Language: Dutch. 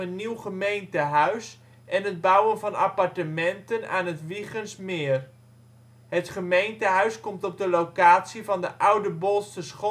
nieuw gemeentehuis en het bouwen van appartementen aan het Wijchens meer. Het gemeentehuis komt op de locatie van de oude Bolsterschool te staan